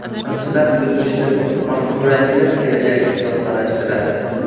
tarixchilar o'tmishni mafkurachilar kelajakni soxtalashtiradi